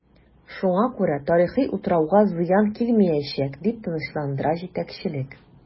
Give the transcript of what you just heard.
Шуңа күрә тарихи утрауга зыян килмиячәк, дип тынычландыра җитәкчелек.